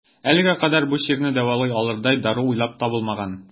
Әлегә кадәр бу чирне дәвалый алырдай дару уйлап табылмаган.